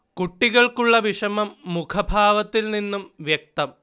കുട്ടികൾക്ക് ഉള്ള വിഷമം മുഖഭാവത്തിൽ നിന്നും വ്യക്തം